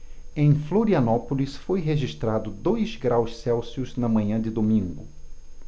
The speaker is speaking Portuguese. em florianópolis foi registrado dois graus celsius na manhã de domingo